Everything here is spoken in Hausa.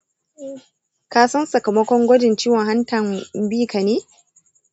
ka san sakamakon gwajin ciwon hantan b ka ne?